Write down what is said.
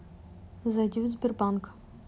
зайди в сбербанк